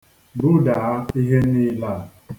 Budaa ihe niile a